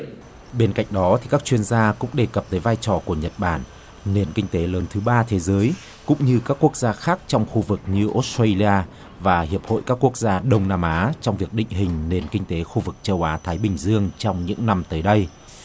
bên cạnh đó thì các chuyên gia cũng đề cập tới vai trò của nhật bản nền kinh tế lớn thứ ba thế giới cũng như các quốc gia khác trong khu vực như ốt suây li a và hiệp hội các quốc gia đông nam á trong việc định hình nền kinh tế khu vực châu á thái bình dương trong những năm tới đây